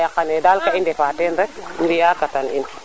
wa nda yaqane daal ka i ndefa teen rek mbiya katan in